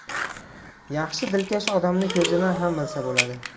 yaxshi dilkash odamni ko'zidan ham bilsa bo'ladi